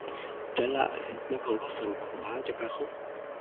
trái lại nó còn góp phần quảng bá cho ca khúc